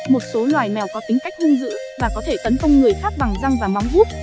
một số loài mèo có tính cách hung dữ và có thể tấn công người khác bằng răng và móng vuốt